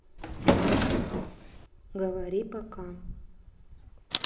говори пока